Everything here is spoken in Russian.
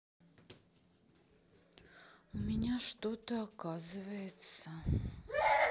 у меня что то оказывается